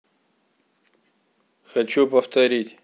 хочу повторить